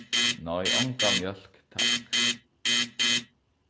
nei onga mjólk takk